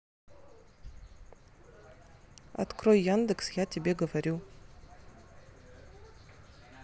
открой яндекс я тебе говорю